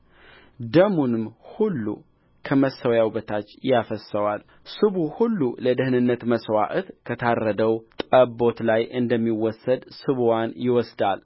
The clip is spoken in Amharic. ደሙንም ሁሉ ከመሠዊያው በታች ያፈስሰዋልስቡ ሁሉ ለደኅንነት መሥዋዕት ከታረደው ጠቦት ላይ እንደሚወሰድ ስብዋን ይወስዳል